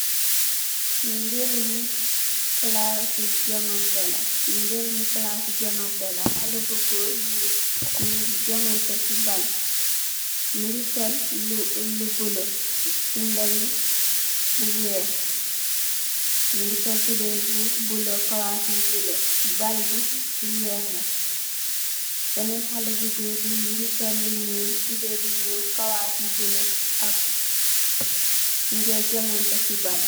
Fi palasi jonganteh haleh bu goor munge jonganteh si ball bi mungi sul lu bulah am lu weex mungi sul tubeye buluh kawas bu buluh ball bi bu weex la benen haleh bu goor bi mungi sul lu nyul tubeye bu nyul kawas yu bulah ak munge jonganteh